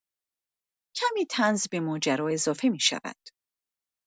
کمی طنز به ماجرا اضافه می‌شود.